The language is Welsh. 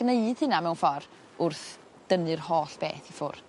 gneud hynna mewn ffor wrth dynnu'r holl beth i ffwr'.